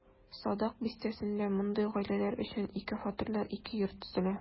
Садак бистәсендә мондый гаиләләр өчен ике фатирлы ике йорт төзелә.